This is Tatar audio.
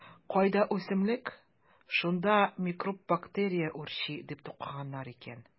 Кайда үсемлек - шунда микроб-бактерия үрчи, - дип тукыганнар икән.